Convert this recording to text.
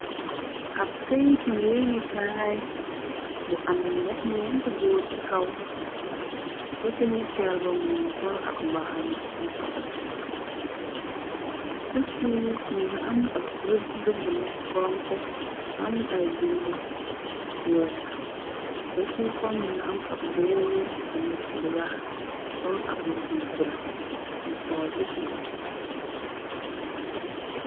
Ab këytu yeene kaay bu am gñet ñenti góor ci kaw, ko ca nitteelba moo nga sol ab mbaaxana mu xawa net, ce suuf mu nga am ab rëdd bu ne xonxo naml ay bind yu weex, cë suufa mu nga am ab góor gu fa nekk di wax, sol ab mbug ,mbu bula yi xool ci suuf.